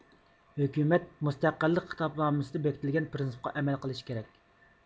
ھۆكۈمەت مۇستەقىللىق خىتابنامىسىدە بېكىتىلگەن پرىنسىپقا ئەمەل قىلىشى كېرەك